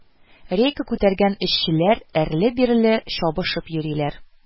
Рейка күтәргән эшчеләр әрле-бирле чабышып йөриләр